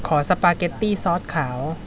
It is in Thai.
ขอสปาเก็ตตี้ซอสขาว